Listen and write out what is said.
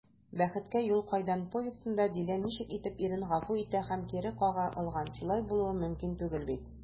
«бәхеткә юл кайдан» повестенда дилә ничек итеп ирен гафу итә һәм кире кага алган, шулай булуы мөмкин түгел бит?»